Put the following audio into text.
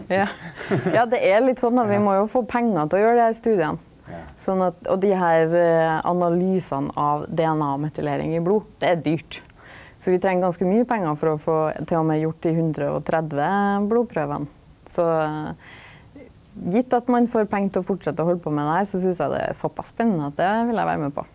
ja ja det er litt sånn då, vi må jo få pengar til å gjera dei her studiane sånn at og dei her analysane av DNA-metylering i blod, det er dyrt, så vi treng ganske mykje pengar for å få t.o.m. gjort dei 130 blodprøvene så gitt at ein får pengar til å fortsette å halda på med det her så synest eg det er såpass spennande at det vil eg vera med på.